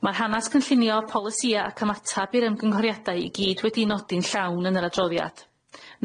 Ma'r hanas cynllunio, polisia ac ymatab i'r ymgynghoriadau i gyd wedi'i nodi'n llawn yn yr adroddiad.